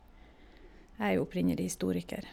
Jeg er jo opprinnelig historiker.